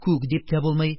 Күк дип тә булмый.